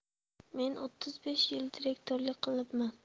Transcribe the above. men o'ttiz besh yil direktorlik qilibman